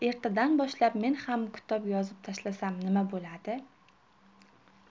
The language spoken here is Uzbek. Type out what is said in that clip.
ertadan boshlab men ham kitob yozib tashlasam nima bo'ladi